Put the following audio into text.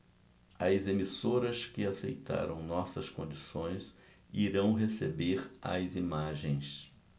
as emissoras que aceitaram nossas condições irão receber as imagens